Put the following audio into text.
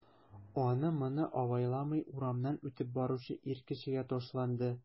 Аны-моны абайламый урамнан үтеп баручы ир кешегә ташланды...